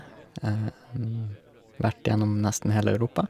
Vært gjennom nesten hele Europa.